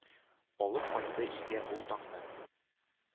Алып кайтты илгә ул таңны,